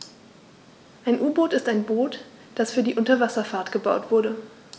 Ein U-Boot ist ein Boot, das für die Unterwasserfahrt gebaut wurde.